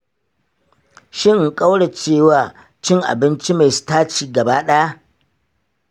shin in ƙauracewa cin abinci mai sitaci gaba-ɗaya?